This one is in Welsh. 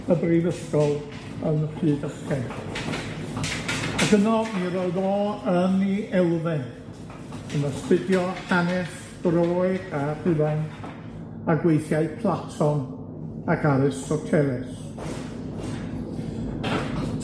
y brifysgol yn Rhydychen, ac yno mi roedd o yn 'i elfen, yn astudio hanes Groeg a Rhufain, a gweithiai Platon ac Aristoteles.